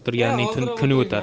o'tirganning kuni o'tar